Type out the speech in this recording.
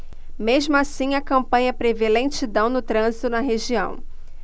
mesmo assim a companhia prevê lentidão no trânsito na região